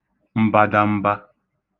mbadamba